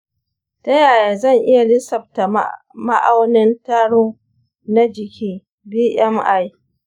ta yaya zan lissafta ma'aunin taro na jiki (bmi)?